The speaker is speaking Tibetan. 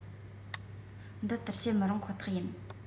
འདི ལྟར བཤད མི རུང ཁོ ཐག ཡིན